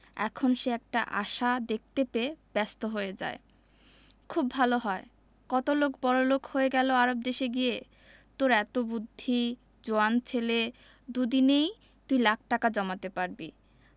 এখন সে একটা আশা দেখতে পেয়ে ব্যস্ত হয়ে যায় খুব ভালো হয় কত লোক বড়লোক হয়ে গেল আরব দেশে গিয়ে তোর এত বুদ্ধি জোয়ান ছেলে দুদিনেই তুই লাখ টাকা জমাতে পারবি